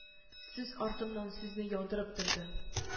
Сүз артыннан сүзне яудырып торды,